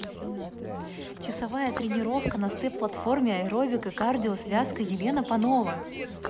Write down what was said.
часовая тренировка на степ платформе аэробика кардио связка елена панова